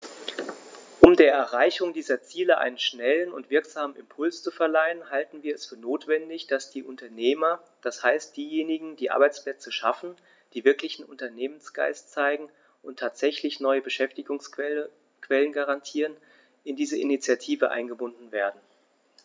Um der Erreichung dieser Ziele einen schnellen und wirksamen Impuls zu verleihen, halten wir es für notwendig, dass die Unternehmer, das heißt diejenigen, die Arbeitsplätze schaffen, die wirklichen Unternehmergeist zeigen und tatsächlich neue Beschäftigungsquellen garantieren, in diese Initiative eingebunden werden.